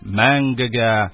Мәңгегә